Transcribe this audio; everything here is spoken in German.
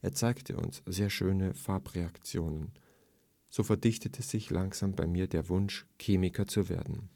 zeigte uns sehr schöne Farbreaktionen. So verdichtete sich langsam bei mir der Wunsch, Chemiker zu werden